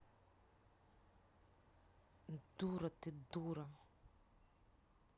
дура ты дура